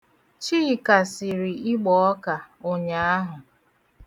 Chika siri ịgbọọka ụnyaahụ.